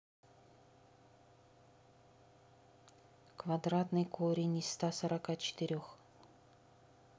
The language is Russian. квадратный корень из ста сорока четырех